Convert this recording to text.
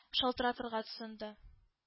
Шалтыратырга тотынды